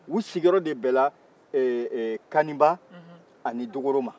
u sigiyɔrɔ de bɛnna kaniba ani dokoro